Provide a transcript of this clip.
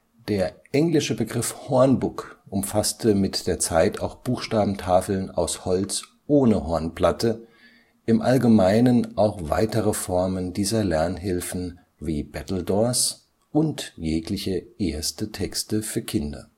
Der englische Begriff Hornbook umfasste mit der Zeit auch Buchstabentafeln aus Holz ohne Hornplatte, im Allgemeinen auch weitere Formen dieser Lernhilfen wie Battledores (siehe unten) und jegliche erste Texte für Kinder